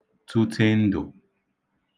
tụ̄tē n̄dụ̀